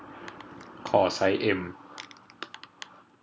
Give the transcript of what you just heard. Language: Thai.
ขอไซส์เอ็ม